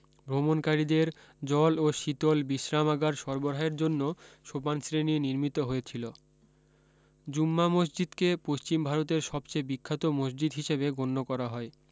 ভ্রমণকারীদের জল ও শীতল বিশ্রামাগার সরবরাহের জন্য সোপানশ্রেনী নির্মিত হয়েছিলো জুমমা মসজিদকে পশ্চিম ভারতের সবচেয়ে বিখ্যাত মসজিদ হিসেবে গন্য করা হয়